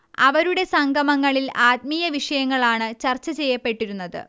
അവരുടെ സംഗമങ്ങളിൽ ആത്മീയവിഷയങ്ങളാണ് ചർച്ചചെയ്യപ്പെട്ടിരുന്നത്